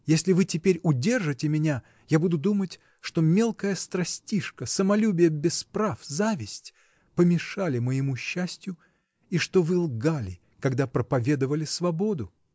Если вы теперь удержите меня, я буду думать, что мелкая страстишка, самолюбие без прав, зависть — помешали моему счастью и что вы лгали, когда проповедовали свободу.